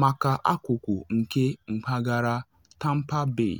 maka akụkụ nke mpaghara Tampa Bay.